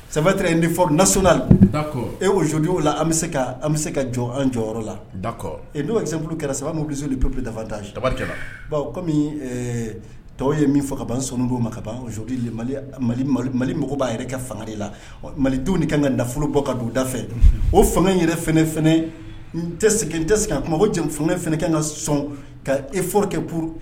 San fɔ nas eo la an an bɛ se ka jɔ an jɔyɔrɔ la n'o yep kɛra sababilizli pep dafafata kɔmi tɔw ye min fɔ ka ban sɔn don ma ka ban mali mɔgɔ b'a yɛrɛ kɛ fanga la mali du de ka ka da nafolo bɔ ka udafɛ o fanga yɛrɛ n n tɛ se ka kuma fanga fana kan ka sɔn ka ef kɛur